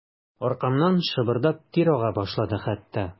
Аркамнан шабырдап тир ага башлады хәтта.